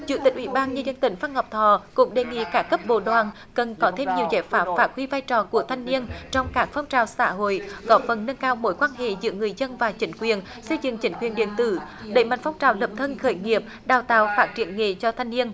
chủ tịch ủy ban nhân dân tỉnh phan ngọc thọ cũng đề nghị các cấp bộ đoàn cần có thêm nhiều giải pháp phát huy vai trò của thanh niên trong các phong trào xã hội góp phần nâng cao mối quan hệ giữa người dân và chính quyền xây dựng chính quyền điện tử đẩy mạnh phong trào lập thân khởi nghiệp đào tạo phát triển nghề cho thanh niên